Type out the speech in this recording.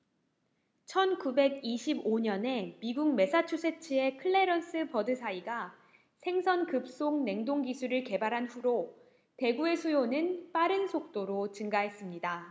천 구백 이십 오 년에 미국 매사추세츠의 클래런스 버드사이가 생선 급속 냉동 기술을 개발한 후로 대구의 수요는 빠른 속도로 증가했습니다